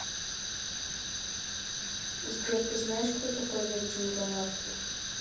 сбер ты знаешь кто такой virgin galactic